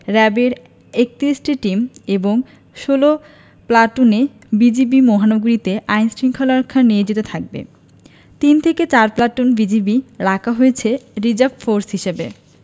রেবের ৩১টি টিম এবং ১৬ platoon BGB মহানগরীতে আইন শৃঙ্খলা রক্ষায় নিয়োজিত থাকবে তিন থেকে চার প্লাটুন বিজিবি রাখা হয়েছে রিজার্ভ ফোর্স হিসেবে